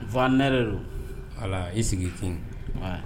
N fa ne yɛrɛ don i sigi kɛ